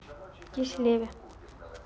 киселеве